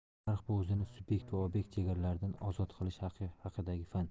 tarix bu o'zini sub'ekt va ob'ekt chegaralaridan ozod qilish haqidagi fan